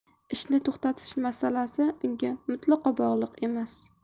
ishni to'tatish masalasi unga mutlaqo bog'liq emas